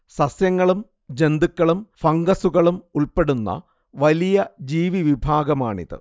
സസ്യങ്ങളും ജന്തുക്കളും ഫംഗസ്സുകളും ഉൾപ്പെടുന്ന വലിയ ജീവിവിഭാഗമാണിത്